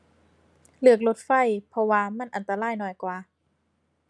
เลือกรถไฟ เพราะว่ามันอันตรายน้อยกว่า